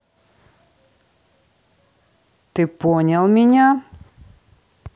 ты понял меня